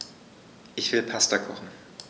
Ich will Pasta kochen.